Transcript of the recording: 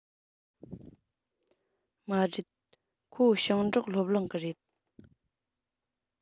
མ རེད ཁོ ཞིང འབྲོག སློབ གླིང གི རེད